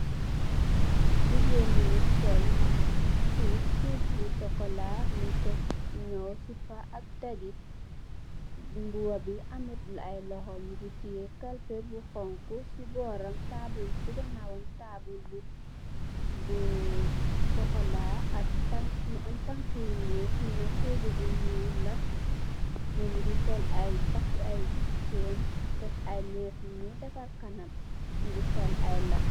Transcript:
Jegain bu sol chub chub bu sokula mugku ku nyaw sepa ak dagete muba be amut aye lohou muge teye kalpeh bu xonxo se boram taabul se ganawam taabul bu buuu sukola ak tan mu am tanka yu nuul fee nak toogu bu nuul la mum muge sol aye take aye chine takk aye mess bu nuul defarr kanam be muge sol aye lam.